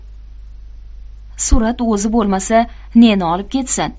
surat o'zi bo'lmasa neni olib ketsin